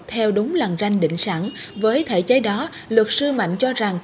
theo đúng lằn ranh định sẵn với thể chế đó luật sư mạnh cho rằng